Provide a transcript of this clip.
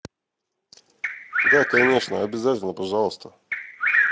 да конечно обязательно пожалуйста